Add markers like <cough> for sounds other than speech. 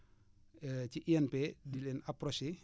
<hesitation> ci INP di leen approché